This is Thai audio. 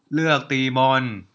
เลือกตีมอน